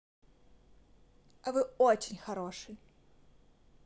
а вы очень хороший